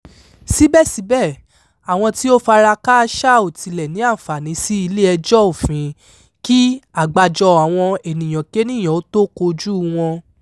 Síbẹ̀síbẹ̀, àwọn tí ó fara kááṣá ò tilẹ̀ ní àǹfààní sí ilé-ẹjọ́ òfin kí àgbájọ-àwọn-ènìyànkéènìà ó tó kojúu wọn.